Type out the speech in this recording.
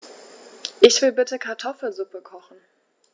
Ich will bitte Kartoffelsuppe kochen.